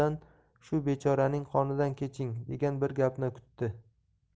abdulladan shu bechoraning qonidan keching degan bir gapni kutdi